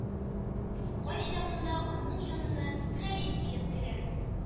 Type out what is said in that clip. Кайчагында аның янына Хәлим килеп керә.